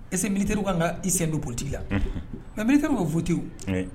Est ce militaire w kaan ŋaa i sen do politique la unhun ŋa militaire w ma voté o oui